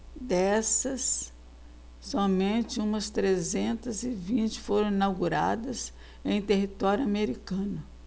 dessas somente umas trezentas e vinte foram inauguradas em território americano